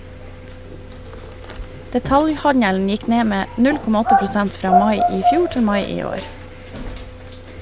Detaljhandelen gikk ned med 0,8 prosent fra mai i fjor til mai i år.